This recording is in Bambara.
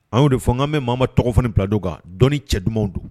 Anw' de fɔ an bɛ mama ma tɔgɔ kunnafoni biladon kan dɔn cɛ dumanw don